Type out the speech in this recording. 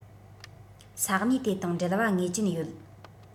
ས གནས དེ དང འབྲེལ བ ངེས ཅན ཡོད